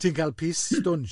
Ti'n cael pys stwnsh.